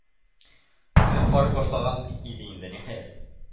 Үрелеп карый башлаган иде инде, ниһаять,